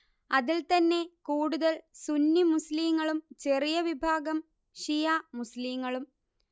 അതിൽ തന്നെ കൂടുതൽ സുന്നി മുസ്ലിങ്ങളും ചെറിയ വിഭാഗം ഷിയാ മുസ്ലിങ്ങളും